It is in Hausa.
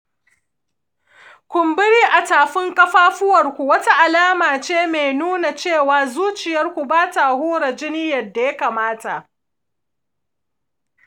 kumburi a tafukan ƙafafuwanku wata alama ce mai nuna cewa zuciyarku ba ta hura jini yadda ya kamata